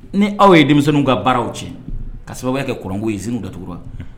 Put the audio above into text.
Ni aw ye denmisɛnninw ka baaraw cɛ ka sababu kɛ k ye z datugukura